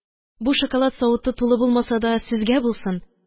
Бу шоколад савыты, тулы булмаса да, сезгә булсын